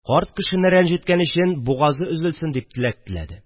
Карт кешене рәнҗеткән өчен бугазы өзелсен дип теләк теләде